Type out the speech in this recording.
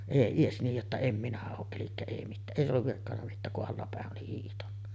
ei edes niin jotta en minä ole eli ei mitään ei ollut virkkonut mitään kun allapäin oli hiihtänyt